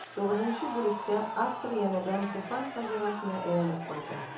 Тугызынчы бүлектә автор янәдән Туфан фаҗигасенә әйләнеп кайта.